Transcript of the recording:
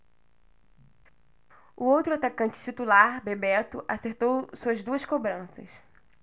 o outro atacante titular bebeto acertou suas duas cobranças